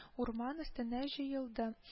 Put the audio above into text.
Урман өстенә җыелды